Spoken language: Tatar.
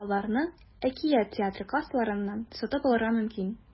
Аларны “Әкият” театры кассаларыннан сатып алырга мөмкин.